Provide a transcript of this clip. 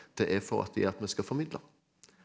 det er for at vi at vi skal formidle.